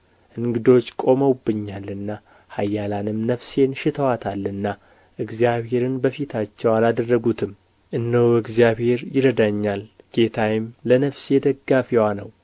እንግዶች ቁመውብኛልና ኃያላንም ነፍሴን ሽተዋታልና እግዚአብሔርን በፊታቸው አላደረጉትም እነሆ እግዚአብሔር ይረዳኛል ጌታዬም ለነፍሴ ደጋፊዋ ነው